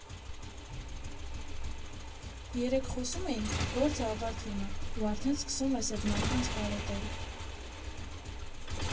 Երեկ խոսում էինք՝ գործը ավարտվում ա, ու արդեն սկսում ես էդ մարդկանց կարոտել։